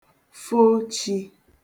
fo chī